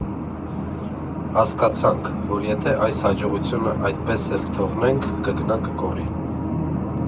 Հասկացանք, որ եթե այս հաջողությունը այդպես էլ թողնենք՝ կգնա կկորի։